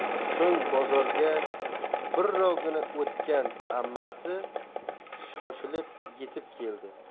so'ng bozorga birrovgina o'tgan ammasi shoshilib yetib keldi